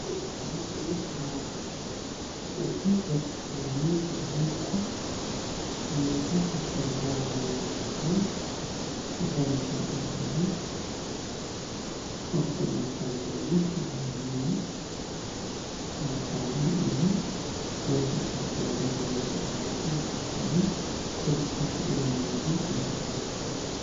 Waa niman io naago dhar isku wada mid ah waxay wataaan dhar baluug ah korkooda waxaa jooga gaariyaal oo saaran nimam meesha waxaa ku yaalo geedo qurxan dhulka ay fadhiyaan waa dhul iskorsaaran